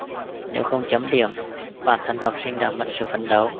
nếu không chấm điểm bản thân học sinh đã mất sự phấn đấu